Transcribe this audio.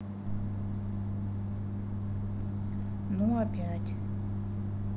ну опять